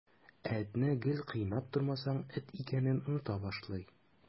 Ә этне гел кыйнап тормасаң, эт икәнен оныта башлый.